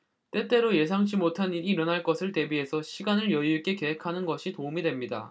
때때로 예상치 못한 일이 일어날 것을 대비해서 시간을 여유 있게 계획하는 것이 도움이 됩니다